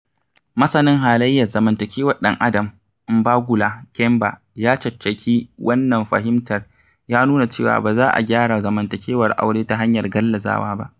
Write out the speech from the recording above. Masanin halayyar zamantakewar ɗan'adam, Mbangula Kemba ya caccaki wannan fahimtar ya nuna cewa ba za a gyara zamantakewar aure ta hanyar gallazawa ba.